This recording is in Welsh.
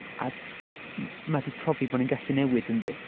A, m- mae 'di profi bod ni'n gallu newid yndi?